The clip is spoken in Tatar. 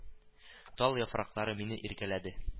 Тал яфраклары мине иркәләде